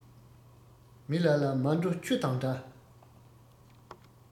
མི ལ ལ མར འགྲོ ཆུ དང འདྲ